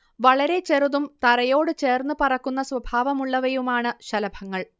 വളരെ ചെറുതും തറയോടു ചേർന്ന് പറക്കുന്ന സ്വഭാവമുള്ളവയുമാണ് ശലഭങ്ങൾ